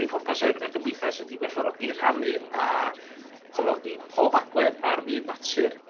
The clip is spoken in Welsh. prif pwrpas yr y gymdeithas ydi gwerthfawrogi rhannu a cofnodi pob agwedd ar fyd natur